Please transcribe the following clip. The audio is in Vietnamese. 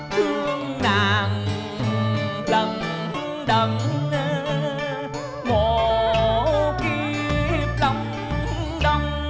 thương nàng lận đận ơ một kiếp long đong